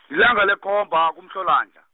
lilanga lekhomba kuMhlolanja.